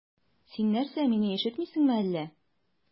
Син нәрсә, мине ишетмисеңме әллә?